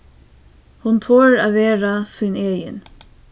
hon torir at vera sín egin